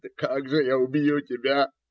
Да как же я убью тебя?